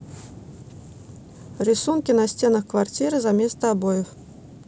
рисунки на стенах квартиры заместо обоев